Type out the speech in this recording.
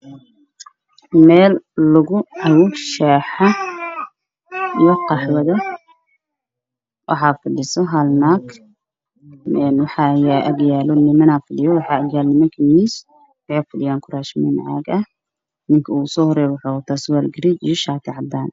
Meeshaan lagu shaaha iyo qaxwado waxaa fadhiso hal naag waxaa agyaalo niman ag fadhiyo waxaaa agyaala nimanka miis waxay fadhiyaan kuraasman caag ah ninka ugu soo horeeyo waxuu wataa surwaal garay ah iyo shaati cadaan ah.